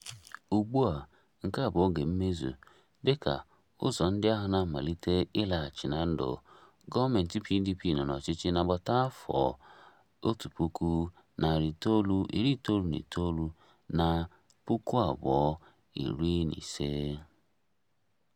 Ugbu a, nke a bụ 'Oge Mmezu' dịka ụzọ ndị ahụ na-amalite ịlaghachi na ndụ.” Gọọmentị PDP nọ n'ọchịchị n'agbata afọ 1999 na 2015.